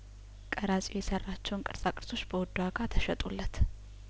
ቀራጺው የሰራቸውን ቅርጻ ቅርጾች በውድ ዋጋ ተሸጡለት